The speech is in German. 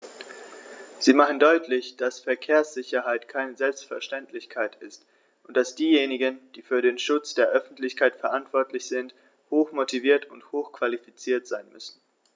Sie machen deutlich, dass Verkehrssicherheit keine Selbstverständlichkeit ist und dass diejenigen, die für den Schutz der Öffentlichkeit verantwortlich sind, hochmotiviert und hochqualifiziert sein müssen.